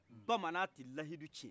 bamanan ti lahidu ciyen